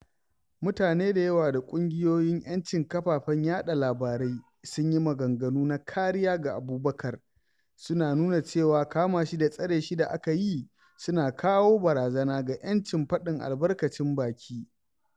Mutane da yawa da ƙungiyoyin 'yancin kafafen yaɗa labarai sun yi maganganu na kariya ga Abubacar, suna nuna cewa kama shi da tsare shi da aka yi suna kawo barazana ga 'yancin faɗin albarkacin baki.